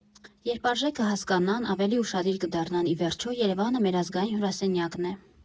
Երբ արժեքը հասկանան, ավելի ուշադիր կդառնան, ի վերջո, Երևանը մեր ազգային հյուրասենյակն է։